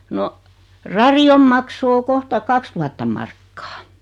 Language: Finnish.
no radion maksu on kohta kaksituhatta markkaa